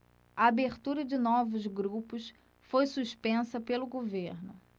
a abertura de novos grupos foi suspensa pelo governo